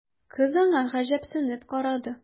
Кыз аңа гаҗәпсенеп карады.